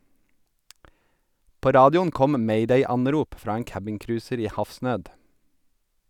På radioen kom mayday-anrop fra en cabincruiser i havsnød.